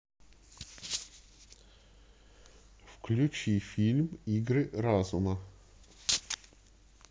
включи фильм игры разума